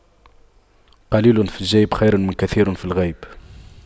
قليل في الجيب خير من كثير في الغيب